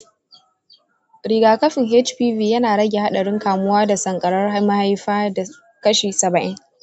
rigakafin hpv yana rage haɗarin kamuwa da sankarar mahaifa da kashi saba'in.